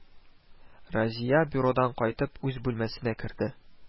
Разия, бюродан кайтып, үз бүлмәсенә керде